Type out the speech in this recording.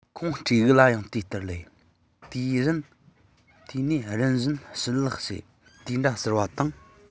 ཁོང སྤྲེའུ ལ ཡང དེ ལྟར ལབ དེ ནས རིམ བཞིན ཞུ ལུགས བྱེད དེ འདྲ ཟེར བ དང